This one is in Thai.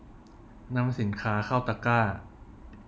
นำสินค้าเข้าตะกร้า